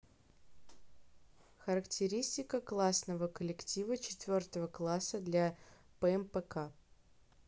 характеристика классного коллектива четвертого класса для пмпк